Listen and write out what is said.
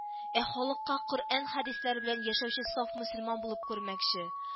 Ә халыкка Коръән хәдисләре белән яшәүче саф мөселман булып күренмәкче